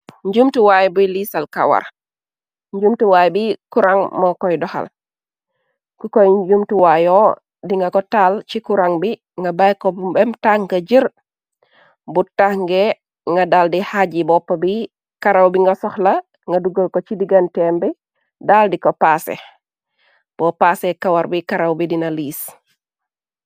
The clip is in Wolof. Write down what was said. njumtuwaayu buy liisal kawar njumtuwaay bi kurang moo koy doxal ku koy njumtuwaayo dinga ko tall ci kurang bi nga bay ko bu mbem tàng jër bu taxnge nga dal di xaaj yi bopp bi karaw bi nga soxla nga dugal ko ci digan tembe dal di ko paase bo paase kawar bi karaw bi dina liis